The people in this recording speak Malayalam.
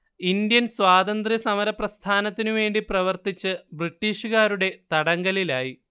ഇന്ത്യൻ സ്വാതന്ത്ര്യ സമരപ്രസ്ഥാനത്തിനു വേണ്ടി പ്രവർത്തിച്ച് ബ്രിട്ടീഷുകാരുടെ തടങ്കലിലായി